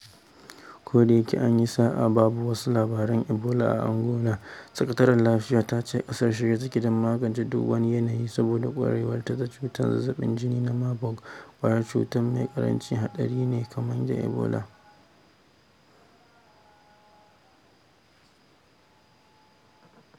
Ko da yake an yi sa’a babu wasu labarin Ebola a Angola, sakatariyar lafiya ta ce ƙasar a shirye take don magance duk wani yanayi saboda kwarewarta da cutar zazzabin jini na Marburg, ƙwayar cuta mai ƙarancin haɗari mai kama da Ebola.